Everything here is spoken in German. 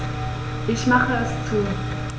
Ich mache es zu.